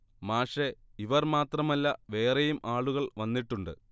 മാഷെ ഇവർ മാത്രമല്ല വേറെയും ആളുകൾ വന്നിട്ടുണ്ട്